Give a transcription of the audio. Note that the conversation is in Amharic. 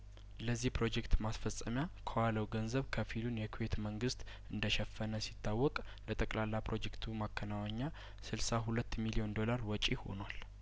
ለዚህ ፕሮጀክት ማስፈጸሚያ ከዋለው ገንዘብ ከፊሉን የኩዌት መንግስት እንደሸፈነ ሲታወቅ ለጠቅላላ ፕሮጀክቱ ማከናወኛ ስልሳ ሁለት ሚሊዮን ዶላር ወጪ ሆኗል